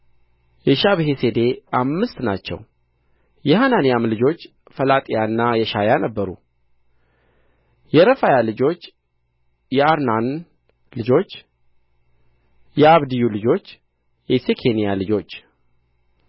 ዮሻብሒሴድ አምስት ናቸው የሐናንያም ልጆች ፈላጥያና የሻያ ነበሩ የረፋያ ልጆች የአርናን ልጆች የአብድዩ ልጆች የሴኬንያ ልጆች